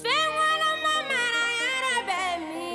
Denkolonba marayɔrɔ bɛ min?